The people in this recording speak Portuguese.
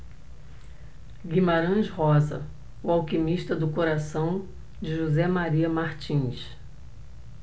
guimarães rosa o alquimista do coração de josé maria martins